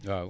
waaw